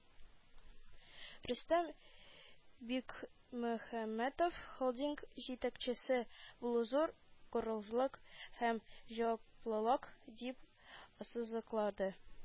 Рөстәм Бикмөхәммәтов холдинг җитәкчесе булу зур горурлык һәм җаваплылык дип ассызыклады